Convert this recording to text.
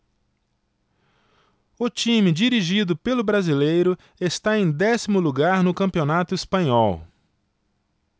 o time dirigido pelo brasileiro está em décimo lugar no campeonato espanhol